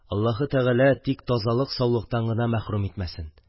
Аллаһы Тәгалә тазалык-саулыктан гына мәхрүм итмәсен